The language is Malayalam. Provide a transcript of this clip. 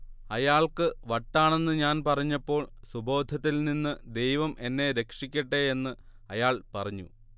അയാൾക്ക് വട്ടാണെന്ന് ഞാൻ പറഞ്ഞപ്പോൾ സുബോധത്തിൽ നിന്ന് ദൈവം എന്നെ രക്ഷിക്കട്ടെ എന്ന് അയാൾ പറഞ്ഞു